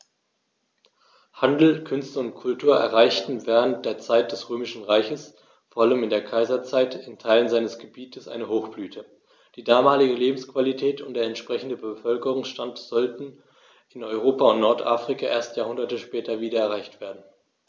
Handel, Künste und Kultur erreichten während der Zeit des Römischen Reiches, vor allem in der Kaiserzeit, in Teilen seines Gebietes eine Hochblüte, die damalige Lebensqualität und der entsprechende Bevölkerungsstand sollten in Europa und Nordafrika erst Jahrhunderte später wieder erreicht werden.